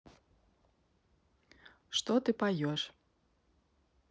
что ты поешь